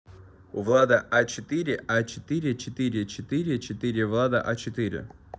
у влада а четыре а четыре четыре четыре четыре влада а четыре